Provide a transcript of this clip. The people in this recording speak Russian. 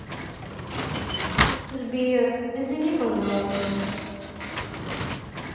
сбер извини пожалуйста